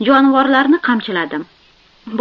jonivorlarni qamchiladim